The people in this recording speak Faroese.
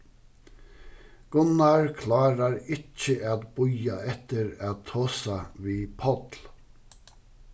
gunnar klárar ikki at bíða eftir at tosa við páll